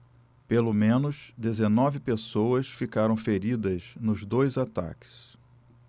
pelo menos dezenove pessoas ficaram feridas nos dois ataques